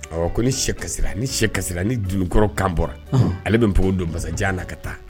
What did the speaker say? Ɔ ko ni sɛ kasira ni sɛ ka ni dukɔrɔ kan bɔra ale bɛ p don masajan na ka taa